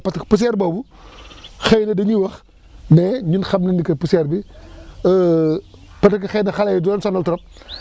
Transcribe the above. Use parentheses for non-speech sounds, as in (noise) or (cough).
parce que poussière boobu (breath) xëy na dañuy wax ne ñun xam nañ ni que poussière bi (hesitation) peut être xëy na xale yi du leen sonal trop (breath)